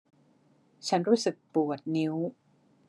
ฉันรู้สึกปวดนิ้ว